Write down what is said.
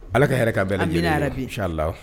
Ala ka hɛrɛ ka bɛn an bɛ yɛrɛ bi ca la